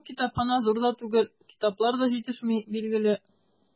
Ул китапханә зур да түгел, китаплар да җитешми, билгеле.